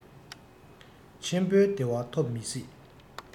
ཆེན པོའི བདེ བ ཐོབ མི སྲིད